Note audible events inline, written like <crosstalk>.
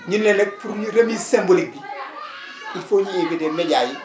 ñu ne leen rek pour ñu remise symbolique bi <crosstalk> il faut ñu yëgle médias yi